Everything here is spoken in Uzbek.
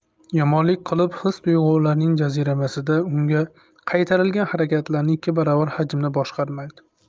yomonlik qilib his tuyg'ularning jaziramasida unga qaytarilgan harakatlarni ikki baravar hajmda boshqarmaydi